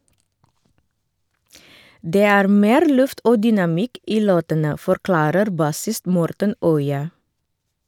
Det er mer luft og dynamikk i låtene, forklarer bassist Morten Øya.